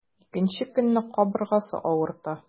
Икенче көнне кабыргасы авырта.